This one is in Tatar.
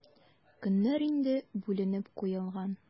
Көннәр инде бүленеп куелган.